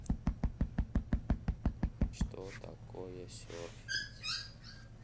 что такое серфить